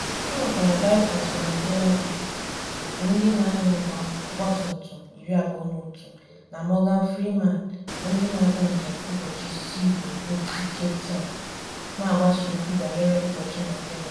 E nwekwara "Bikers for Mandela Day" - òtù ndị na-anya ọgbatumtum 21 (na Morgan Freeman) bụ ndị na-aga njem ụbọchị isii gburugburu Cape Town na-agbasa okwu banyere Ụbọchị Mandela.